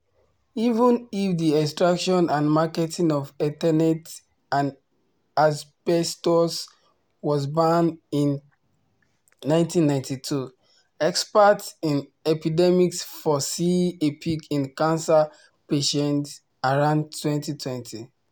Even if the extraction and marketing of Eternit and asbestos was banned in 1992, experts in epidemics foresee a peak in cancer patients around 2020.